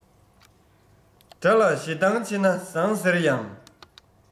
དགྲ ལ ཞེ སྡང ཆེ ན བཟང ཟེར ཡང